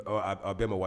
Aw tɛ ma wa